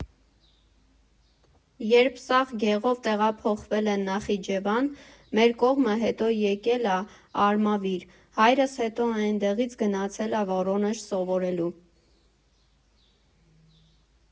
Երբ սաղ ցեղով տեղափոխվել են Նախիջևան, մեր կողմը հետո էկել ա Արմավիր, հայրս հետո էնդեղից գնացել ա Վորոնեժ՝ սովորելու։